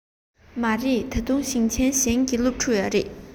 མ རེད ད དུང ཞིང ཆེན གཞན གྱི སློབ ཕྲུག ཡོད རེད